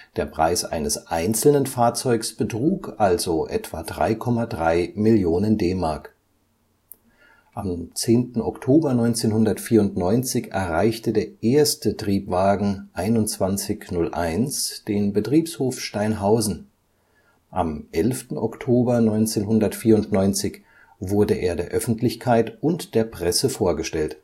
Der Preis eines einzelnen Fahrzeugs betrug also etwa 3,3 Millionen D-Mark. Am 10. Oktober 1994 erreichte der erste Triebwagen 2101 den Betriebshof Steinhausen, am 11. Oktober 1994 wurde er der Öffentlichkeit und der Presse vorgestellt